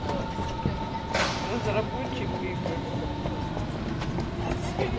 разработчик игр